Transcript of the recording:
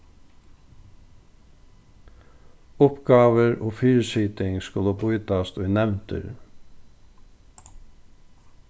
uppgávur og fyrisiting skulu býtast í nevndir